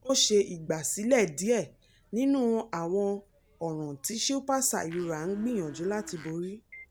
Ó ṣe ìgbàsílẹ̀ díẹ̀ nínú àwọn ọ̀ràn tí Shilpa Sayura ń gbìyànjú láti borí.